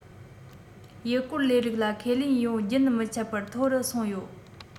ཡུལ སྐོར ལས རིགས ལ ཁས ལེན ཡོད རྒྱུན མི ཆད པར མཐོ རུ སོང ཡོད